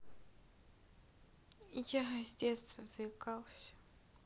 я с детства заикался